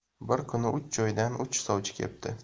bir kuni uch joydan uch sovchi kepti